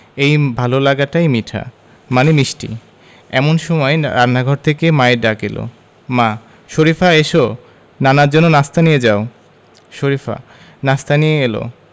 এই ভালো লাগাটাই মিঠা মানে মিষ্টি এমন সময় রান্নাঘর থেকে মায়ের ডাক এলো মা শরিফা এসো নানার জন্য নাশতা নিয়ে যাও শরিফা নাশতা নিয়ে এলো